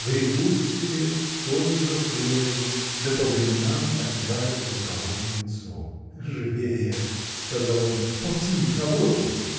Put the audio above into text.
гребут себе с тою же флегмой да по временам отирают рукавом лицо. – Живее! – сказал он, – полтинник на водку.